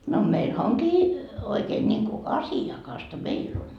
no meillähän onkin oikein niin kuin asiakasta meillä on